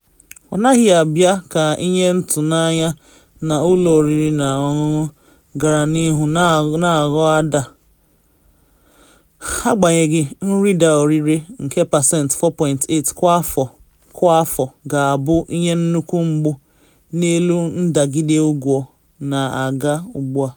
Ọ naghị abịa ka ihe ntụnanya na ụlọ oriri na ọṅụṅụ gara n’ihu na aghọ ada, agbanyeghị nrịda ọrịre nke pasentị 4.8 kwa afọ kwa afọ ga-abụ ihe nnukwu mgbu n’elu ndagide ụgwọ na aga ugbu a.